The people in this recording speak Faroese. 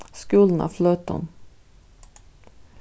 skúlin á fløtum